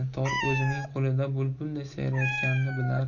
tor o'zining qo'lida bulbulday sayrayotganini bilar